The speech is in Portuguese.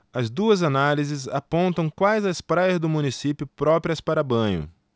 as duas análises apontam quais as praias do município próprias para banho